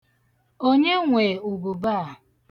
Onye nwe ubube a?